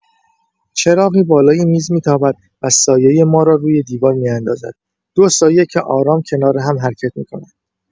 چراغی بالای میز می‌تابد و سایۀ ما را روی دیوار می‌اندازد، دو سایه که آرام کنار هم حرکت می‌کنند.